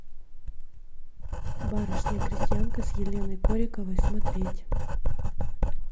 барышня крестьянка с еленой кориковой смотреть